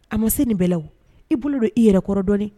A ma se nin bɛɛlaw i bolo don i yɛrɛ kɔrɔ dɔɔnin